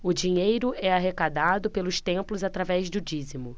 o dinheiro é arrecadado pelos templos através do dízimo